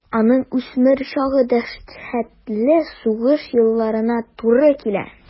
Аның үсмер чагы дәһшәтле сугыш елларына туры килә.